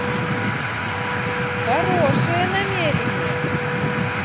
хорошее намерение